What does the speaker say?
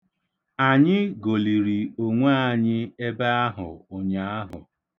Anyị goliri onwe anyị ebe ahụ ụnyaahụ.